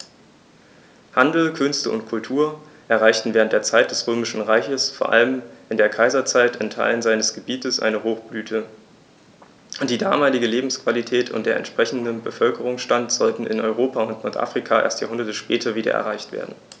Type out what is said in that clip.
Handel, Künste und Kultur erreichten während der Zeit des Römischen Reiches, vor allem in der Kaiserzeit, in Teilen seines Gebietes eine Hochblüte, die damalige Lebensqualität und der entsprechende Bevölkerungsstand sollten in Europa und Nordafrika erst Jahrhunderte später wieder erreicht werden.